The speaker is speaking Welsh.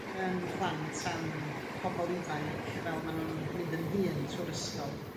'yn plant a'n pobol ifanc fel ma' nhw'n mynd yn hŷn trw'r ysgol.